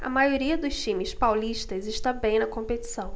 a maioria dos times paulistas está bem na competição